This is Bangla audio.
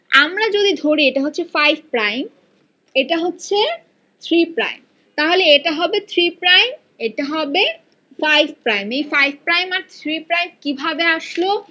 আমরা যদি ধরি এটা হচ্ছে ফাইভ প্রাইম এটা হচ্ছে থ্রি প্রাইম তাহলে এটা হবে থ্রি প্রাইম এটা হবে ফাইভ প্রাইম এ ফাইভ প্রাইম আর থ্রি প্রাইম কিভাবে আসলো